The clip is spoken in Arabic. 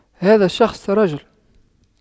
هذا الشخص رجل